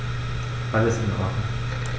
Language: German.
Alles in Ordnung.